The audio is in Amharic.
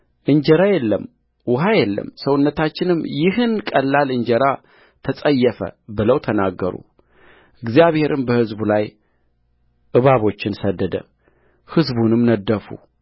እንጀራ የለም ውኃ የለም ሰውነታችንም ይህን ቀላል እንጀራ ተጸየፈ ብለው ተናገሩእግዚአብሔርም በሕዝቡ ላይ እባቦችን ሰደደ ሕዝቡንም ነደፉ